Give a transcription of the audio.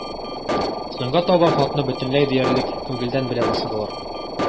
Соңга таба хатны бөтенләй диярлек күңелдән белә башладылар.